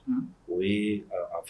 O ye a